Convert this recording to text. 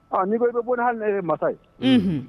Ɔ n'i ko i bɛ bɔ hali ne ye mansa ye, unhun